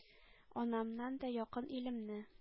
Анамнан да якын илемне.